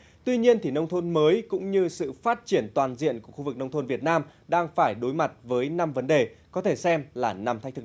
tuy nhiên thì nông thôn mới cũng như sự phát triển toàn diện của khu vực nông thôn việt nam đang phải đối mặt với năm vấn đề có thể xem là năm thách thức